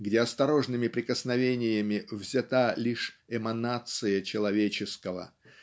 где осторожными прикосновениями взята лишь эманация человеческого